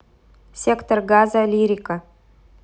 сектор газа лирика